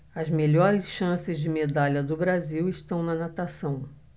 as melhores chances de medalha do brasil estão na natação